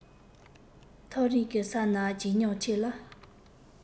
ཐག རིང གི ས ན བརྗིད ཉམས ཆེ ལ